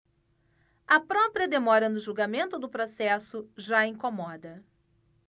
a própria demora no julgamento do processo já incomoda